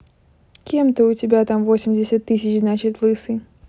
кем то у тебя там восемьдесят тысяч значит лысый